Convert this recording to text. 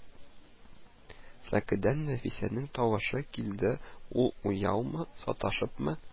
Сәкедән Нәфисәнең тавышы килде, ул уяумы, саташыпмы: